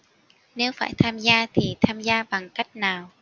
nếu phải tham gia thì tham gia bằng cách nào